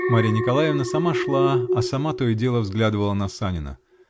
Марья Николаевна сама шла, а сама то и дело взглядывала на Санина.